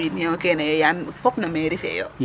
o qoles ino kene yo yaam fop no mairie fe yo .